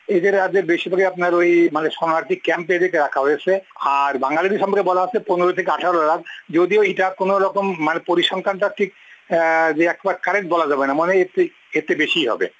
এদের বেশিরভাগই আপনার শরণার্থী ক্যাম্পে রাখা হয়েছে আর বাঙ্গালীদের সম্পর্কে বলা হচ্ছে ১৫ থেকে ১৮ লাখ যদিও এটা কোনো রকম পরিসংখ্যানটা ঠিক এবারে কারেক্ট বলা যাবে না মনে হয় একটু বেশিই হবে